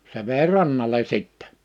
se vei rannalle sitten